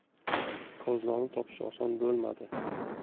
kozlovni topish oson bo'lmadi